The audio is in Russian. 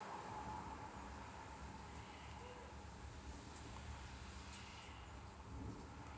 джой ты меня пугаешь всеядный это они меня съедят блядь